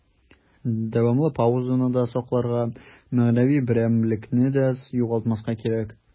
Дәвамлы паузаны да сакларга, мәгънәви берәмлекне дә югалтмаска кирәк.